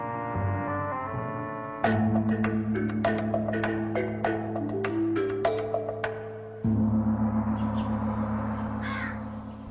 music